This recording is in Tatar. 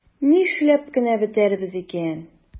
Нишләп кенә бетәрбез икән?